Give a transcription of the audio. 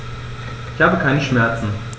Ich habe keine Schmerzen.